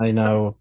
I know.